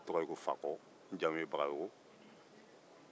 ne tɔgɔ ye fakɔ n jamu ye bagayɔkɔ